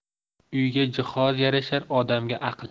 uyga jihoz yarashar odamga aql